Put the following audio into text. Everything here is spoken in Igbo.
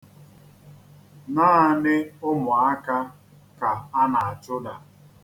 Naanị ụmụaka ka a na-achụda.